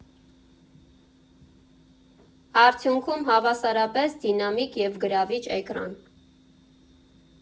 Արդյունքում՝ հավասարապես դինամիկ և գրավիչ էկրան։